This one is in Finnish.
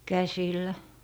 käsillä